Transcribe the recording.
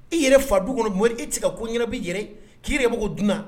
I yɛrɛ fadu kɔnɔ Mɔhamɛdi e tɛ se ka ko ɲɛnabɔ i yɛrɛ ye, k'i yɛrɛ bɔ ko dunan